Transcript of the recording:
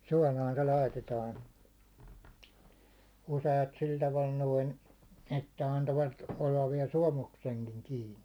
suolaan se laitetaan useat sillä tavalla noin että antoivat olla vielä suomuksenkin kiinni